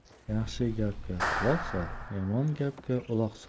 yaxshi gapga quloq sol yomon gapga uloq sol